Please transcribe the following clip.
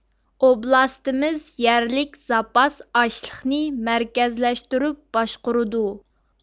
ئوبلاستىمىز يەرلىك زاپاس ئاشلىقنى مەركەزلەشتۈرۈپ باشقۇرىدۇ